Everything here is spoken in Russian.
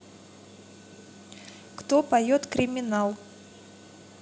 кто поет криминал